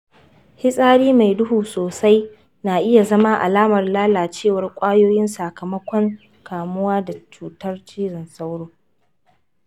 fitsari mai duhu sosai na iya zama alamar lalacewar ƙwayoyin sakamakon kamuwa da cutar cizon sauro.